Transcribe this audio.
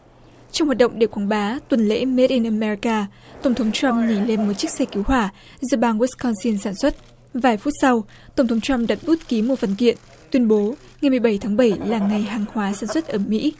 trong hoạt động để quảng bá tuần lễ mết in ơ me ri ca tổng thống trăm nhìn lên một chiếc xe cứu hỏa do bang guyn cô sin sản xuất vài phút sau tổng thống trăm đặt bút ký một văn kiện tuyên bố ngày mười bảy tháng bảy là ngày hàng hóa sản xuất ở mỹ